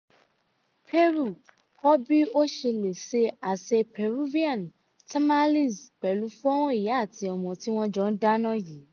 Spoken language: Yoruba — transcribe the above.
Peru - Kọ́ bí o ṣe lè se àsè Peruvian, tamales, pẹ̀lú fọ́nràn ìyá àti ọmọ tí wọ́n jọ ń dáná yìí.